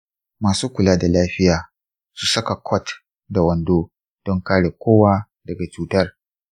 masu kula da lafiya su saka kwat da wando don kare kowa daga cutar.